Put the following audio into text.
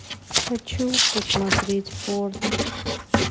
хочу посмотреть порно